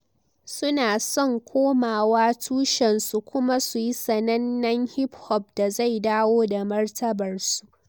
Su na son komawa tushensu kuma su yi sanannen hip hop da zai dawo da martabar su.